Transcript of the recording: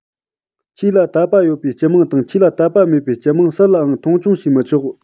ཆོས ལ དད པ ཡོད པའི སྤྱི དམངས དང ཆོས ལ དད པ མེད པའི སྤྱི དམངས སུ ལའང མཐོང ཆུང བྱས མི ཆོག